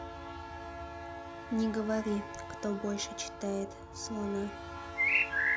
не говори кто больше читает слона